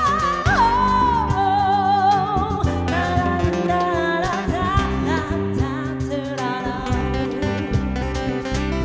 gió em nhớ anh khi xuân về